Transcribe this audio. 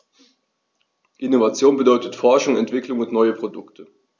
Innovation bedeutet Forschung, Entwicklung und neue Produkte.